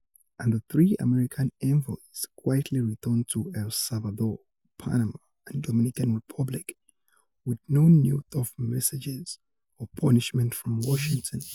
And the three American envoys quietly returned to El Salvador, Panama and the Dominican Republic with no new tough messages or punishments from Washington.